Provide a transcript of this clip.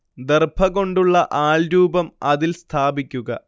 ദർഭ കൊണ്ടുള്ള ആൾരൂപം അതിൽ സ്ഥാപിയ്ക്കുക